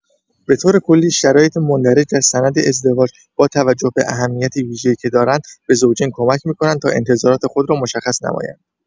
به‌طور کلی، شرایط مندرج در سند ازدواج با توجه به اهمیت ویژه‌ای که دارند، به زوجین کمک می‌کنند تا انتظارات خود را مشخص نمایند.